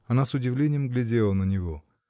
Она с удивлением глядела на него.